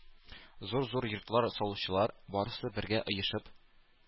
Зур-зур йортлар салучылар, барысы бергә оешып,